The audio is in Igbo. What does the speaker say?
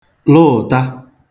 lụụ̀ta